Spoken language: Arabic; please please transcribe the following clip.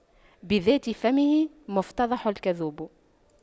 بذات فمه يفتضح الكذوب